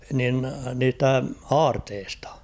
niin niistä aarteista